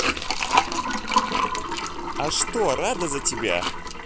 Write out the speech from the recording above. а что рада за тебя